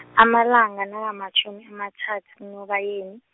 amalanga naka matjhumi amathathu kuNobayeni.